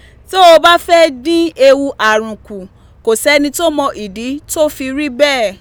Tó o bá fẹ́ dín ewu àrùn kù, kò sẹ́ni tó mọ ìdí tó fi rí bẹ́ẹ̀.